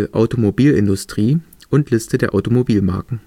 Automobilindustrie und Liste der Automobilmarken